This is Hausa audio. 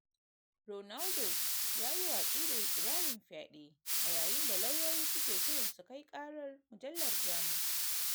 Ronaldo yayi watsi da ikirarin fyaɗe a yayin da lauyoyi suke shirin su kai ƙarar mujallar Jamus.